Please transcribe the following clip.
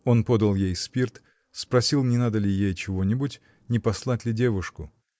Он подал ей спирт, спросил, не надо ли ей чего-нибудь, не послать ли девушку.